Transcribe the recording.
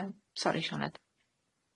Yym sori Sioned.